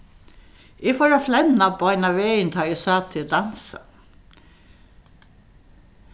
eg fór at flenna beinanvegin tá eg sá teg dansa